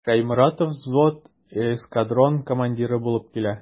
Шәйморатов взвод, эскадрон командиры булып китә.